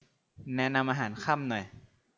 แนะนำอาหารค่ำหน่อย